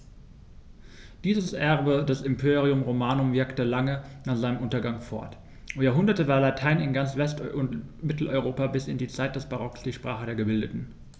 Dieses Erbe des Imperium Romanum wirkte lange nach seinem Untergang fort: Über Jahrhunderte war Latein in ganz West- und Mitteleuropa bis in die Zeit des Barock die Sprache der Gebildeten.